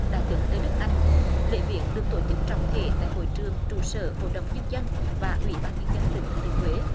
đại tướng lê đức anh lễ viếng được tổ chức trọng thể tại hội trường trụ sở hội đồng nhân dân và ủy ban nhân dân tỉnh thừa thiên huế